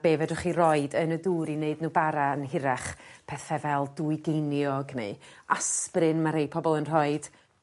be' fedrwch chi roid yn y dŵr i neud n'w bara yn hirach pethe fel dwy geiniog neu asprin ma' rhri pobol yn rhoid.